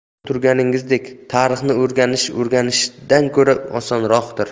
ko'rib turganingizdek tarixni o'rganish o'rganishdan ko'ra osonroqdir